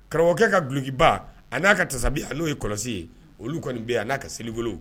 Karamɔgɔkɛ ka dulokiba an'a ka tasabiha n'o ye kɔlɔsi ye olu kɔni be yan a n'a ka seligolo